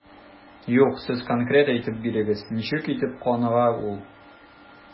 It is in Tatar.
Юк, сез конкрет әйтеп бирегез, ничек итеп каныга ул?